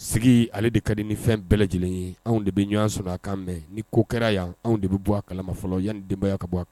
Sigi ale de ka di ni fɛn bɛɛ lajɛlen ye, anw de bɛ ɲɔgɔn sɔrɔ a kan mais ni ko kɛra yan, anw de bɛ bɔ a kala ma fɔlɔ yani denbaya ka bɔ a kala ma.